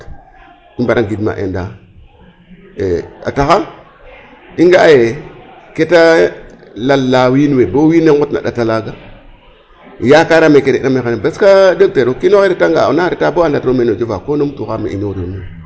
I mbara ngidma ENDA a taxa i nga'aa yee ke ta lalaa wiin we bo wiin we nqotaa ƭat alaga yakaaraam ee ke re'ina meen bes ka directeur o kiin oxe retanga na reta bo andatira me o jofa ko numtooxa me inooroona.